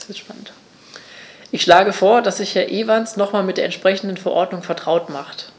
Ich schlage vor, dass sich Herr Evans nochmals mit der entsprechenden Verordnung vertraut macht.